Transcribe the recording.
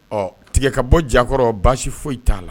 Ɔ tiga ka bɔ jakɔrɔ baasi foyi t'a la